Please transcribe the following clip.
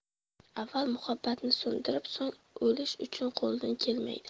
avval muhabbatni so'ndirib so'ng o'lish uning qo'lidan kelmaydi